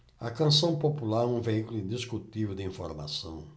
a canção popular é um veículo indiscutível de informação